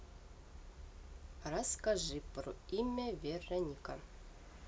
расскажи про имя вероника